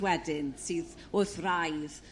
wedyn sydd wrth raidd